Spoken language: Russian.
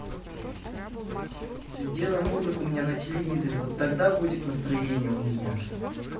ты сделай музыку мне на телевизоре вот тогда будет настроение у меня у тебя